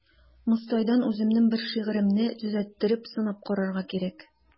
Мостайдан үземнең берәр шигыремне төзәттереп сынап карарга кирәк.